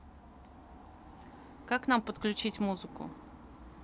как нам подключить музыку